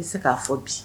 I bɛ se k kaa fɔ bi